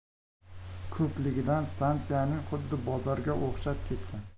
ko'pligidan stansiyaning xuddi bozorga o'xshab ketgan